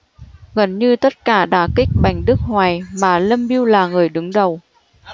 gần như tất cả đả kích bành đức hoài mà lâm bưu là người đứng đầu